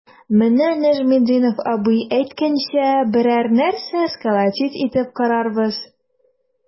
Менә Нәҗметдинов абый әйткәнчә, берәр нәрсә сколотить итеп карарбыз.